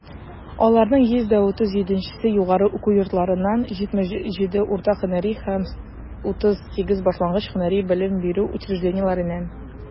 Аларның 137 се - югары уку йортларыннан, 77 - урта һөнәри һәм 38 башлангыч һөнәри белем бирү учреждениеләреннән.